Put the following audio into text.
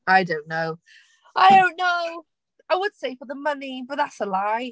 I don't know. I don't know! I would say for the money, but that's a lie.